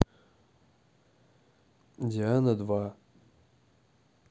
диана два